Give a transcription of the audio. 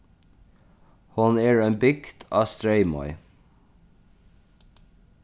hon er ein bygd á streymoy